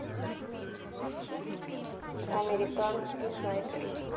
американский снайпер